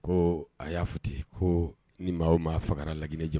Ko a y'a fɔ ten ko ni maa o maa faga laginɛ ja